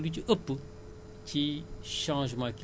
mais loolu yépp techniciens yi bu ñu ko nattee